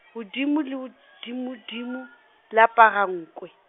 hodimo le hodimodimo leaparankwe.